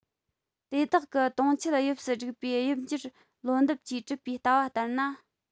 དེ དག གི དུང འཁྱིལ དབྱིབས སུ བསྒྲིགས པའི དབྱིབས འགྱུར ལོ འདབ ཀྱིས གྲུབ པའི ལྟ བ ལྟར ན